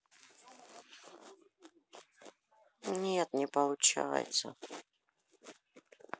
нет не получается